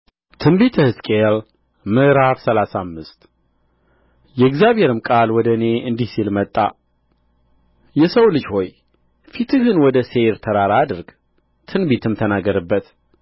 በትንቢተ ሕዝቅኤል ምዕራፍ ሰላሳ አምሰት የእግዚአብሔርም ቃል ወደ እኔ እንዲህ ሲል መጣ የሰው ልጅ ሆይ ፊትህን ወደ ሴይር ተራራ አድርግ ትንቢትም ተናገርበት